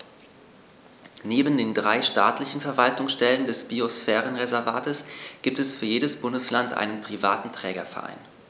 Neben den drei staatlichen Verwaltungsstellen des Biosphärenreservates gibt es für jedes Bundesland einen privaten Trägerverein.